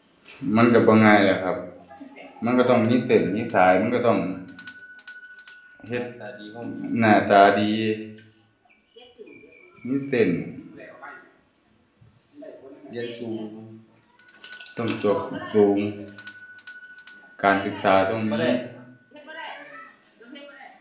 มันก็บ่ง่ายแหล้วครับ มันก็ต้องมีเส้นมีสายมันก็ต้อง เฮ็ด หน้าตาดีพร้อมครับ หน้าตาดี มีเส้น เรียนสูง ต้องจบสูง การศึกษาต้องมี บ่ได้ เฮ็ดบ่ได้ เพิ่นเฮ็ดบ่ได้